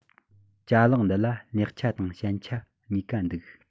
ཅ ལག འདི ལ ལེགས ཆ དང ཞན ཆ གཉིས ཀ འདུག